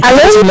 alo